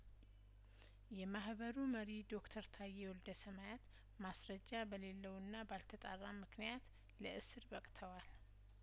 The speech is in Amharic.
የማህበሩ መሪ ዶክተር ታዬ ወልደሰማያት ማስረጃ በሌለውና ባልተጣራ ምክንያት ለእስር በቅተዋል